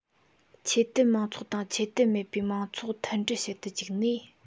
ཆོས དད མང ཚོགས དང ཆོས དད མེད པའི མང ཚོགས མཐུན སྒྲིལ བྱེད དུ བཅུག ནས